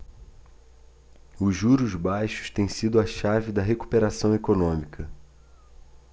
os juros baixos têm sido a chave da recuperação econômica